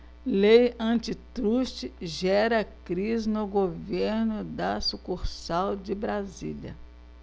lei antitruste gera crise no governo da sucursal de brasília